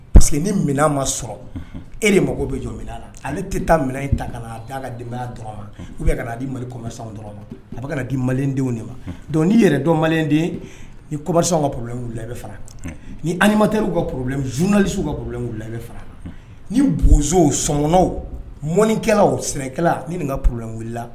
Parceseke ni minɛn ma sɔrɔ e de mako bɛ jɔ mina ale tɛ taa minɛn ta a'bayaya dɔrɔn ma di mali dɔrɔn a bɛ di madenw de ma ni yɛrɛ dɔn maden ni kɔsɔnw ka p wu a bɛ faga nimatɛriw ka poro zuninalisiw ka plen bɛ faa ni bozo sɔnɔnw mɔnikɛlaw sɛnɛkɛla ni nin ka plɛlen wilila